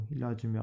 ilojim yo'q